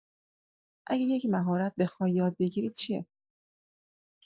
اگه یه مهارت بخوای یاد بگیری، چیه؟